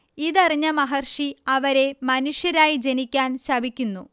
ഇതറിഞ്ഞ മഹർഷി അവരെ മനുഷ്യരായി ജനിക്കാൻ ശപിക്കുന്നു